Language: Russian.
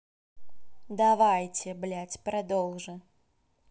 давайте блять продолжи